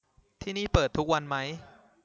ที่นี่เปิดทุกวันไหม